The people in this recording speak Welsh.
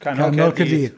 Canol Caerdydd.